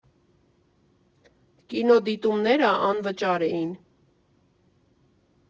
Կինոդիտումները անվճար էին։